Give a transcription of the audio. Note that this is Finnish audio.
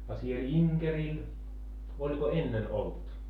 a siellä Inkerillä oliko ennen ollut